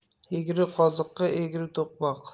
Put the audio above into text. egri qoziqqa egri to'qmoq